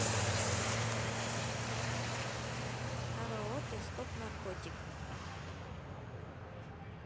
караоке стоп наркотик